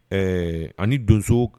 Ɛɛ ani donso